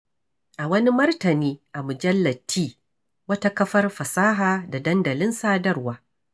A wani martani a mujallar T, wata kafar fasaha da dandalin sadarwa.